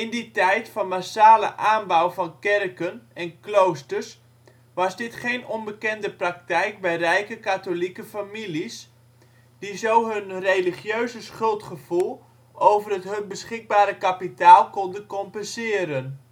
die tijd van massale aanbouw van kerken en kloosters was dit geen onbekende praktijk bij rijke katholieke families, die zo hun religieuze schuldgevoel over het hun beschikbare kapitaal konden compenseren